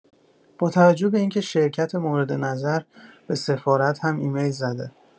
با توجه به اینکه شرکت مورد نظر به سفارت هم ایمیل زده؟